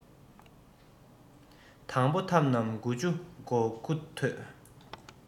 དང པོ ཐབས རྣམས དགུ བཅུ གོ དགུ གཏོད